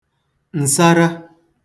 ǹsara